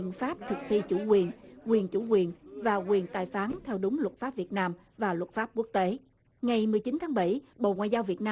pháp thực thi chủ quyền quyền chủ quyền và quyền tài phán theo đúng luật pháp việt nam và luật pháp quốc tế ngày mười chín tháng bảy bộ ngoại giao việt nam